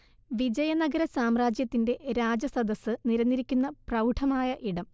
വിജയ നഗര സാമ്രാജ്യത്തിന്റെ രാജസദസ്സ് നിരന്നിരിക്കുന്ന പ്രൗഢമായ ഇടം